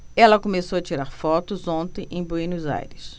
ela começou a tirar fotos ontem em buenos aires